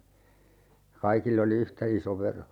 ja kaikilla oli yhtä iso vero